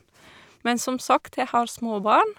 Men som sagt, jeg har små barn.